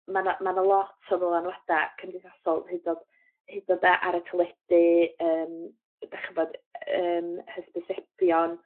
ma' 'na ma' 'na lot o ddylanwada' cymdeithasol hyd yn o'd hyd 'n o'd a- ar y teledi yym 'dach ch'mbod yym hysbysebion